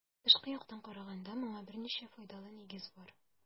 Тышкы яктан караганда моңа берничә файдалы нигез бар.